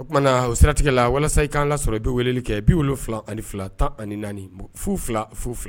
Oumana o siratigɛ la walasa i k'an ka sɔrɔ i bi weleli kɛ bi wolo wolonwula ani fila tan ani naani bon fu fila fila